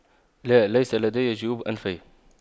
لا ليس لدي جيوب أنفية